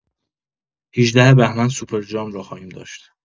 ۱۸ بهمن سوپرجام را خواهیم داشت.